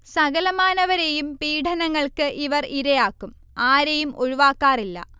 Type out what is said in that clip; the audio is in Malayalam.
സകലമാനവരെയും പീഢനങ്ങൾക്ക് അവർ ഇരയാക്കും. ആരെയും ഒഴിവാക്കാറില്ല